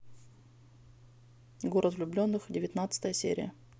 город влюбленных девятнадцатая серия